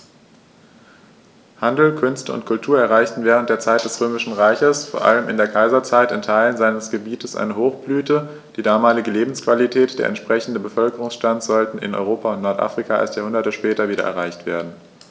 Handel, Künste und Kultur erreichten während der Zeit des Römischen Reiches, vor allem in der Kaiserzeit, in Teilen seines Gebietes eine Hochblüte, die damalige Lebensqualität und der entsprechende Bevölkerungsstand sollten in Europa und Nordafrika erst Jahrhunderte später wieder erreicht werden.